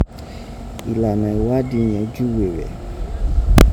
Ìlànà ìwádìí yẹ̀n juwe rẹ̀.